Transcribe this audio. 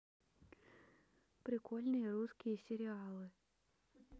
прикольные русские сериалы